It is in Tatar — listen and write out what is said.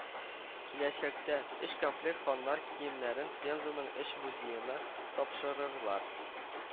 Киләчәктә, өч комплект ханнар киемнәрен Пензаның өч музеена тапшырырлар